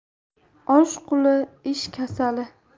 osh quli ish kasali